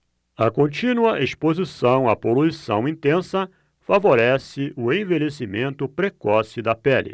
a contínua exposição à poluição intensa favorece o envelhecimento precoce da pele